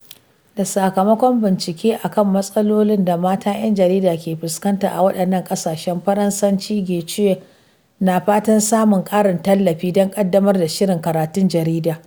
Da sakamakon bincike akan matsalolin da mata ‘yan jarida ke fuskanta a waɗannan ƙasashen Faransanci, Gicheru na fatan samun ƙarin tallafi don ƙaddamar da shirin karatun jarida.